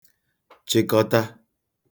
chịkọta